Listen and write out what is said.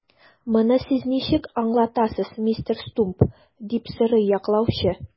Моны сез ничек аңлатасыз, мистер Стумп? - дип сорый яклаучы.